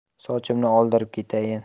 sochimni oldirib ketayin